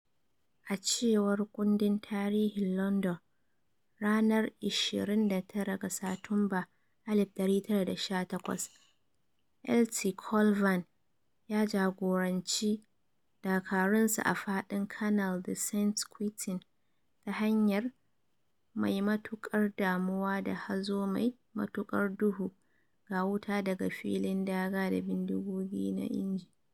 A cewar kundin tarihin London, ranar 29 ga Satumba 1918, Lt Col Vann ya jagoranci dakarunsa a fadin Canal de Saint-Quentin "ta hanyar mai matukar damuwa da hazo mai matukar duhu ga wuta daga filin daga da bindigogi na inji."